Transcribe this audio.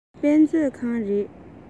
འདི དཔེ མཛོད ཁང རེད